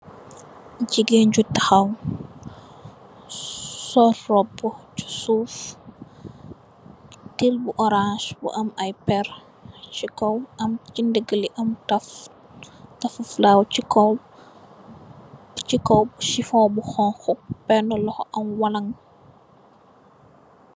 Jegain ju tahaw sol roubu se suuf teel bu orance bu am aye per che kaw am se ndegele am taf tafu fulaw se kaw se kaw sefa bu xonxo bene loxou am walang.